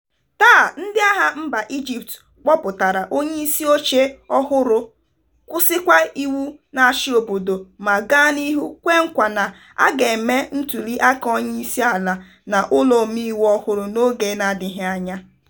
Taa, ndị agha mba Ijipt kpọpụtara onyeisi oche ọhụrụ, kwụsịkwa iwu na-achị obodo ma gaa n'ihu kwe nkwa na a ga-eme ntuli aka onye isi ala na ụlọ omeiwu ọhụrụ n'oge adịghị anya.